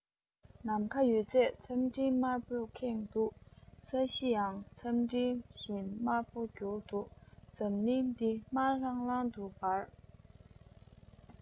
ནམ མཁའ ཡོད ཚད མཚམས སྤྲིན དམར པོའི ཁེངས འདུག ས གཞི ཡང མཚམས སྤྲིན བཞིན དམར པོ གྱུར འདུག འཇིག རྟེན འདི དམར ལྷང ལྷང དུ འབར